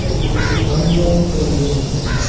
ammo ko'ngli notinch